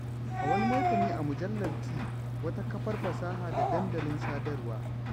A wani martani a mujallar T, wata kafar fasaha da dandalin sadarwa.